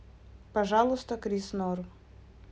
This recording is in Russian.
пожалуйста крис норм